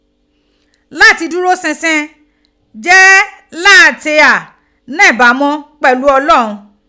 Lati duro sinsin je lati gha ni ibamu pelu Olohun